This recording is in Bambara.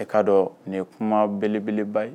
E k'a dɔn nin ye kuma belebeleba ye